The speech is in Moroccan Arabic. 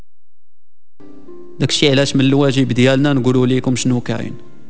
نقش الاسم اللي ويكيبيديا لنا نقول واليكم شنو كاين